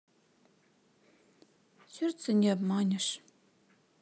сердце не обманешь